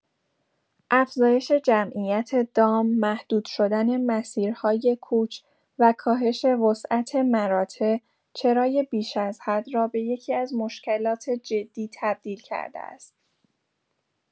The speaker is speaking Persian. افزایش جمعیت دام، محدود شدن مسیرهای کوچ و کاهش وسعت مراتع، چرای بیش از حد را به یکی‌از مشکلات جدی تبدیل کرده است.